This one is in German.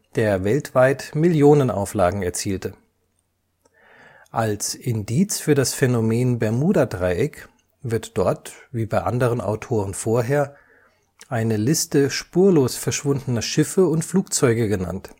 der weltweit Millionenauflagen erzielte. Als Indiz für das Phänomen Bermudadreieck wird dort – wie bei anderen Autoren vorher – eine Liste spurlos verschwundener Schiffe und Flugzeuge genannt